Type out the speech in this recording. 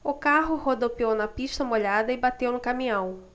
o carro rodopiou na pista molhada e bateu no caminhão